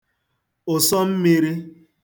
ụ̀sọ mmīrī